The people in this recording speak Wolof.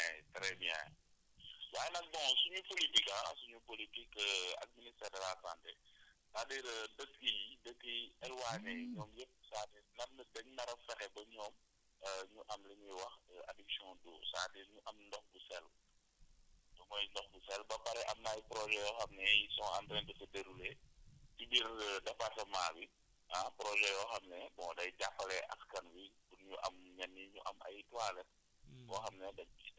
voilà amoo moyens yi très bien waaye nag bon suñuy politique ah suñu politique ak ministère de la santé c' est à dire dëkk yi dëkk yi éloigné yi ñoom yëpp daañu ndax ñun dañu nar a fexe ba ñoom ñu am li ñuy wax addiction d' eau c' est à dire ñu am ndox bu sell lu mooy ndox bu sell ba pare am na ay projets yoo xam ne ils sont entrain de se dérouler ci biir département bi ah projet yoo xam ne bon day jàppale askan bi pour ñu am ñenn ñi ~u am ay toilettes